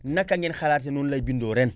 naka ngeen xalaatee noonu lay bindoo ren